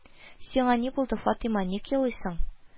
– сиңа ни булды, фатыйма, ник елыйсың